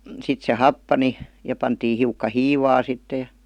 sitten se happani ja pantiin hiukka hiivaa sitten